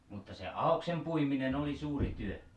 mutta se ahdoksen puiminen oli suuri työ